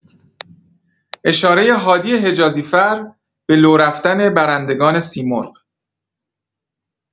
اشاره هادی حجازی فر به لورفتن برندگان سیمرغ